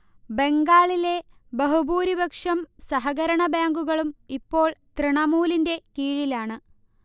ബംഗാളിലെ ബഹുഭൂരിപക്ഷം സഹകരണ ബാങ്കുകളും ഇപ്പോൾ തൃണമൂലിന്റെ കീഴിലാണ്